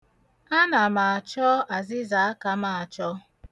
Ana m achọ azịzaaka m achọ.